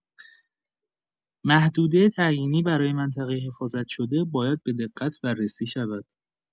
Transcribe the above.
محدوده تعیینی برای منطقه حفاظت شده باید به‌دقت بررسی شود.